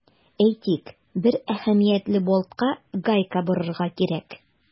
Әйтик, бер әһәмиятле болтка гайка борырга кирәк.